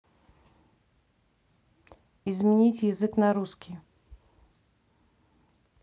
изменить язык на русский